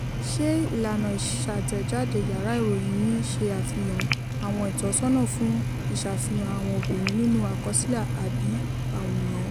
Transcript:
Ṣe ìlànà ìṣàtẹ̀jáde yàrá ìròyìn yín ṣe àfihàn àwọn ìtọ́sọ́nà fún ìṣàfihàn àwọn obìnrin nínú àkọsílẹ̀ àbí àwòrán?